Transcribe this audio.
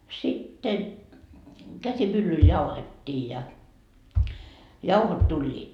sitten käsimyllyllä jauhettiin ja jauhot tulivat